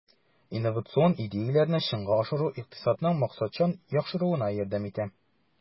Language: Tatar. Инновацион идеяләрне чынга ашыру икътисадның максатчан яхшыруына ярдәм итә.